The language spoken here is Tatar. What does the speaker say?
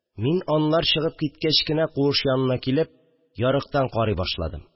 Мин, алар чыгып киткәч кенә, куыш янына килеп, ярыктан карый башладым